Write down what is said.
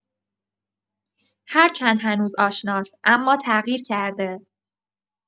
هرچند هنوز آشناست، اما تغییر کرده.